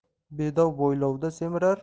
bedov boylovda semirar